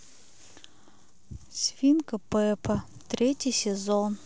свинка пеппа третий сезон